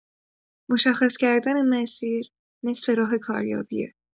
مشخص کردن مسیر، نصف راه کاریابیه.